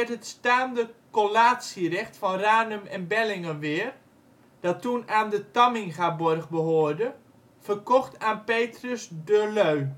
het staande collatierecht van Ranum en Bellingeweer, dat toen aan de Tammingaborg behoorde, verkocht aan Petrus Durleu